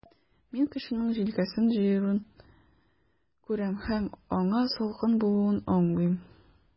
Мин кешенең җилкәсен җыеруын күрәм, һәм аңа салкын булуын аңлыйм.